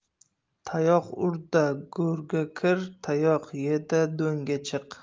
tayoq ur da go'rga kir tayoq ye da do'ngga chiq